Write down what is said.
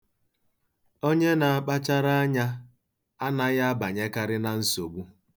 Onye na-akpachara anya anaghị abanyekarị na nsogbu.